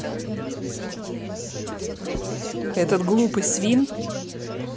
этот глупый свин